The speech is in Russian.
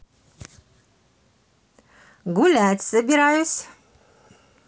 гулять собираюсь